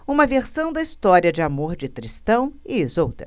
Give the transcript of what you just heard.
uma versão da história de amor de tristão e isolda